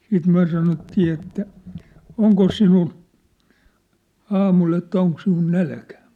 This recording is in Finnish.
sitten me sanottiin että onkos sinulla aamulla että onko sinulla nälkä